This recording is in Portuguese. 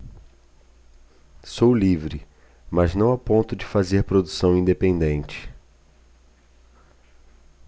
sou livre mas não a ponto de fazer produção independente